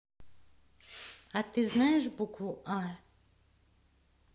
а ты знаешь букву а